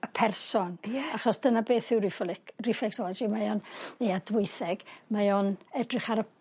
y person... Ie? ...achos dyna beth yw rifolic reflexology mae o'n, neu adweitheg mae o'n edrych ar y